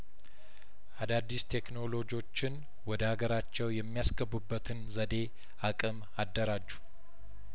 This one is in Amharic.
አዳዲስ ቴክኖሎጂዎችን ወደ አገራቸው የሚያስ ገቡበትን ዘዴ አቅም አደራጁ